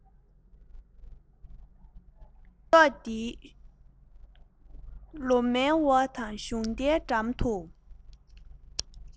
མེ ཏོག དེའི ལོ མའི འོག དང གཞུང རྟའི འགྲམ དུ